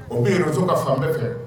O bɛ réseau kan fan bɛɛ fɛ